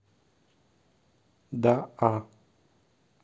да а